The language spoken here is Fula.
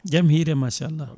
jaam hiiri machallah